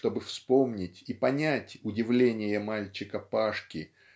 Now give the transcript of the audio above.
чтобы вспомнить и понять удивление мальчика Пашки